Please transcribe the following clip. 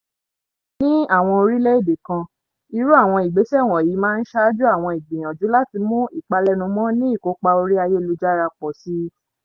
Ní àwọn orílẹ̀-èdè kan, irú àwọn ìgbésẹ̀ wọ̀nyìí máa ṣáájú àwọn ìgbìyànjú láti mú ìpalẹ́numọ́ ní ìkópa orí ayélujára pọ̀ síi .